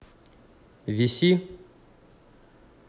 виси